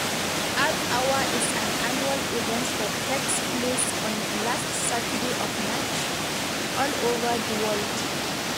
Earth Hour is an annual event that takes place on the last Saturday of March, all over the world.